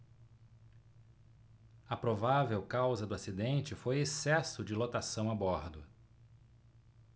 a provável causa do acidente foi excesso de lotação a bordo